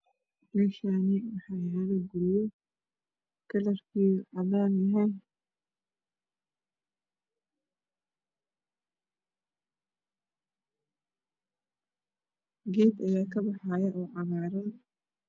Meshan waxa yaalo guryo kalarkodu yahaycadan yahay geed ayaakabaxayo